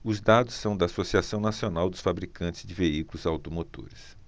os dados são da anfavea associação nacional dos fabricantes de veículos automotores